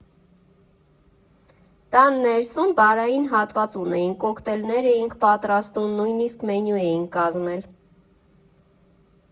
Տան ներսում բարային հատված ունեինք, կոկտեյլներ էինք պատրաստում, նույնիսկ մենյու էի կազմել։